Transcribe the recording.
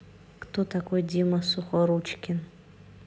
кто такой дима сухоручкин